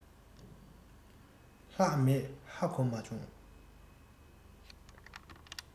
ལྷག མེད ཧ གོ མ བྱུང